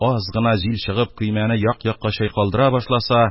Аз гына җил чыгып, көймәне як-якка чайкалдыра башласа,